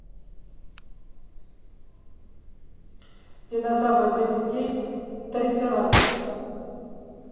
динозавра для детей трицератопс